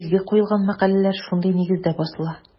Билге куелган мәкаләләр шундый нигездә басыла.